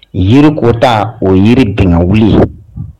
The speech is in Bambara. Jirikota o yiri binkawili ye.